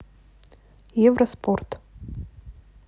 евро спорт